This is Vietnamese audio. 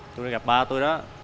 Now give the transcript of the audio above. tui đi gặp ba tui đó